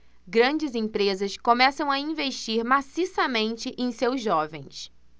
grandes empresas começam a investir maciçamente em seus jovens